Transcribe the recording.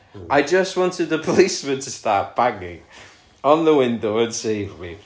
I just wanted the policeman to start banging on the window and save me